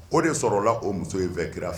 O de sɔrɔla la o muso in fɛ kira fɛ.